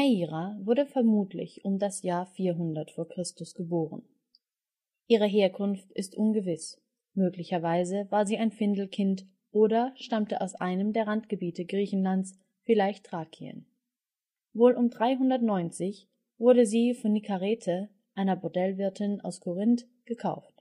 Neaira wurde vermutlich um das Jahr 400 v. Chr. geboren. Ihre Herkunft ist ungewiss, möglicherweise war sie ein Findelkind oder stammte aus einem der Randgebiete Griechenlands, vielleicht Thrakien. Wohl um 390 wurde sie von Nikarete, einer Bordellwirtin aus Korinth, gekauft